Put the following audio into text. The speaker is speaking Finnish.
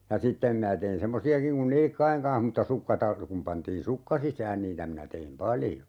ja sitten minä tein semmoisiakin kuin nilkkojen kanssa mutta sukka - kun pantiin sukka sisään niitä minä tein paljon